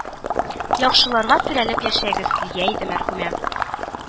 Яхшыларга терәлеп яшәгез , дия иде мәрхүмә